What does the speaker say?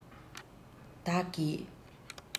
བདག གིས